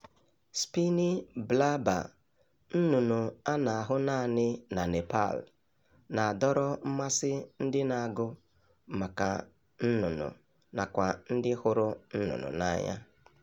Spiny Blabber, nnụnnụ a na-ahụ naanị na Nepal, na-adọrọ mmasị ndị na-agụ maka nnụnụ nakwa ndị hụrụ nnụnnụ n'anya.